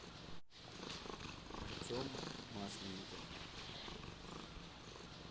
артем масленников